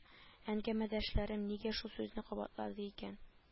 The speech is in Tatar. Әңгәмәдәшләрем нигә шул сүзне кабатлады икән